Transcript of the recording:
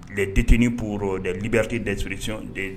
Detetini pooro dɛlibite daurresite